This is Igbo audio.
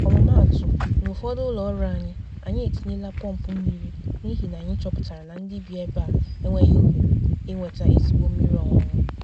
Ọmụmaatụ, n’ụfọdụ ụlọọrụ anyị, anyị etinyela pọmpụ mmiri n’ịhị na anyị chọpụtara na ndị bi ebe a enweghị ohere inweta ezigbo mmiri ọṅụṅụ.